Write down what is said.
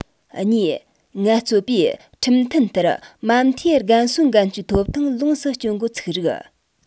གཉིས ངལ རྩོལ པས ཁྲིམས མཐུན ལྟར མ མཐའི རྒན གསོའི འགན བཅོལ ཐོབ ཐང ལོངས སུ སྤྱོད འགོ ཚུགས རིགས